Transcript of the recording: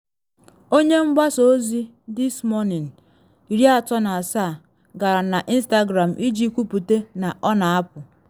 Onye mgbasa ozi This Morning, 37, gara na Instagram iji kwupute na ọ na apụ.